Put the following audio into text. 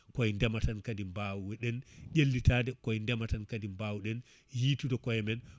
koye ndeema tan kadi mbawuɗen ƴellitade kondeema tan kadi mbawɗen yitude koye men